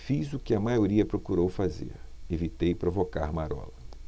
fiz o que a maioria procurou fazer evitei provocar marola